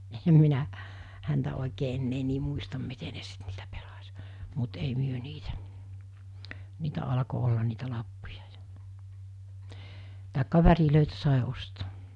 enhän minä häntä oikein enää niin muista miten ne sitten niitä pelasi mutta ei me niitä niitä alkoi olla niitä lappuja ja tai värejä sai ostaa